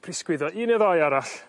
prysgwyddo un neu ddoi arall